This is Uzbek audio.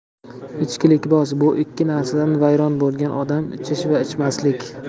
ichkilikboz bu ikki narsadan vayron bo'lgan odam ichish va ichmaslik